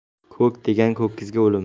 ho'k degan ho'kizga o'lim